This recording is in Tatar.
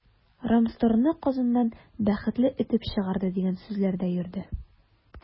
“рамстор”ны казаннан “бәхетле” этеп чыгарды, дигән сүзләр дә йөрде.